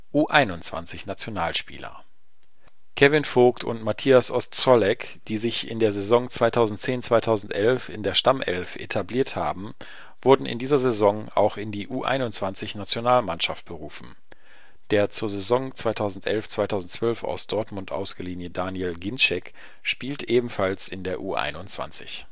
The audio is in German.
U21-Nationalspieler Kevin Vogt und Matthias Ostrzolek, die sich in der Saison 2010/11 in der Stammelf etabliert haben, wurden in dieser Saison auch in die U21-Nationalmannschaft berufen. Der zur Saison 2011/12 aus Dortmund ausgeliehene Daniel Ginczek spielt ebenfalls in der U 21.